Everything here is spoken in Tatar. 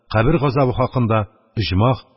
Кабер газабы хакында, оҗмах,